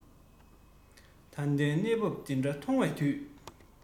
ད ལྟའི གནས བབས འདི འདྲ མཐོང བའི དུས